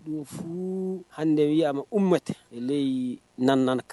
Don furu hade a u matɛ ale ye na kan